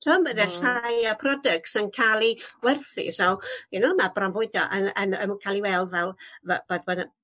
T'wel' ma' 'na llai o producs yn cael 'u werthu so you know ma' bronfwydo yn yn w- ca'l 'i weld fel fe- bod bod 'na